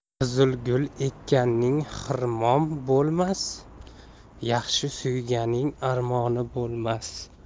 qizil gul ekkanning xirmom bo'lmas yaxshini suyganning armoni bo'lmas